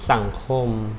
สังคม